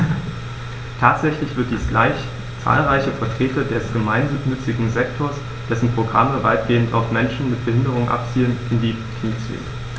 Tatsächlich wird dies gleich zahlreiche Vertreter des gemeinnützigen Sektors - dessen Programme weitgehend auf Menschen mit Behinderung abzielen - in die Knie zwingen.